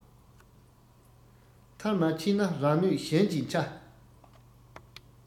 མཐར མ ཕྱིན ན རང གནོད གཞན གྱིས འཕྱ